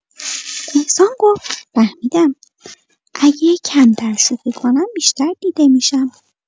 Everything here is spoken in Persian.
احسان گفت فهمیدم اگه کمتر شوخی کنم، بیشتر دیده می‌شم.